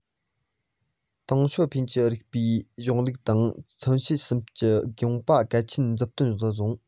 ཏེང ཞའོ ཕིན གྱི རིགས པའི གཞུང ལུགས དང མཚོན བྱེད གསུམ གྱི དགོངས པ གལ ཆེན མཛུབ སྟོན དུ བཟུང